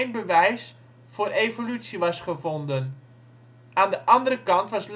bewijs voor evolutie was gevonden. Aan de andere kant was